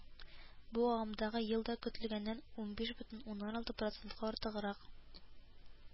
Бу агымдагы елда көтелгәннән унбиш бөтен уннан алты процентка артыграк